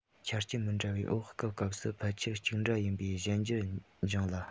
ཆ རྐྱེན མི འདྲ བའི འོག སྐབས སྐབས སུ ཕལ ཆེར གཅིག འདྲ ཡིན པའི གཞན འགྱུར འབྱུང ལ